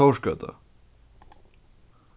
tórsgøta